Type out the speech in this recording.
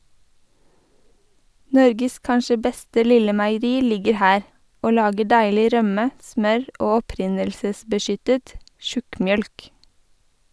Norges kanskje beste lille meieri ligger her, og lager deilig rømme, smør og opprinnelsesbeskyttet tjukkmjølk.